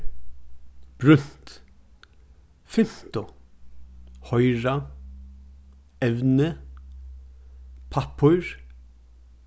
brúnt fimtu hoyra evnið pappír